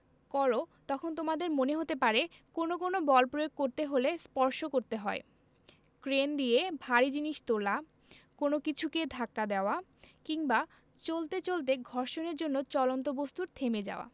করো তখন তোমাদের মনে হতে পারে কোনো কোনো বল প্রয়োগ করতে হলে স্পর্শ করতে হয় ক্রেন দিয়ে ভারী জিনিস তোলা কোনো কিছুকে ধাক্কা দেওয়া কিংবা চলতে চলতে ঘর্ষণের জন্য চলন্ত বস্তুর থেমে যাওয়া